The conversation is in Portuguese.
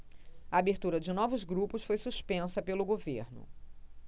a abertura de novos grupos foi suspensa pelo governo